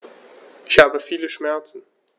Ich habe viele Schmerzen.